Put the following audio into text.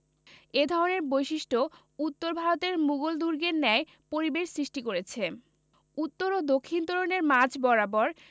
এ ধরনের বৈশিষ্ট্য উত্তর ভারতের মুগল দুর্গের ন্যায় পরিবেশ সৃষ্টি করেছে উত্তর ও দক্ষিণ তোরণের মাঝ বরাবর